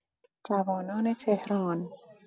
جوانان تهران